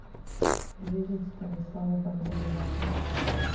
жизнь станислава бондаренко